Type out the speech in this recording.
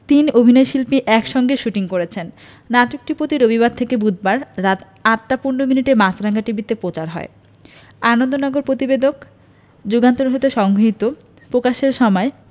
তিন অভিনয়শিল্পী একসঙ্গে শুটিংও করেছেন নাটকটি প্রতি রোববার থেকে বুধবার রাত ৮টা ১৫ মিনিটে মাছরাঙা টিভিতে প্রচার হয় আনন্দনগর প্রতিবেদক যুগান্তর হতে সংগৃহীত প্রকাশের সময়